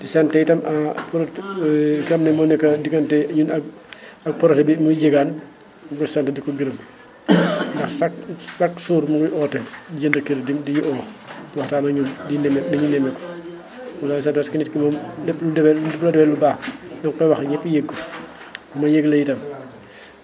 di sant itam prod ki nga xam ne moo nekk diggante ñun ak ak projet bii muy Diegane di ko sant di ko gërëm ndax chaque chaque jour mu ngi oote jënd crédit di ñu oo waxtaan ak ñun di ñu nemmee di ñu nemmeeku ñu ngi lay sant parce que nit ki moom lépp lu mu def rek na doon lu baax ñu ngi koy wax ñëpp yëg ko wa yëgle itam